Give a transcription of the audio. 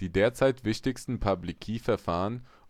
derzeit wichtigsten Public-Key-Verfahren